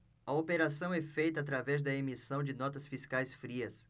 a operação é feita através da emissão de notas fiscais frias